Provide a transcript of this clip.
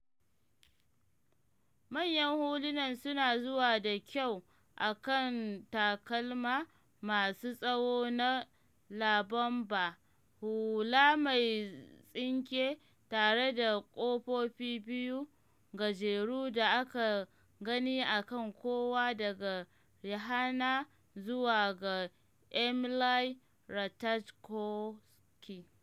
Manyan hulunan suna zuwa da kyau a kan takalma masu tsawo na 'La Bomba', hula mai tsinke tare da ƙafofi biyu gajeru da aka gani a kan kowa daga Rihanna zuwa ga Emily Ratajkowski.